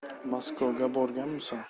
maskovga borganmisan